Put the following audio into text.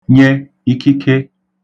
nye ikike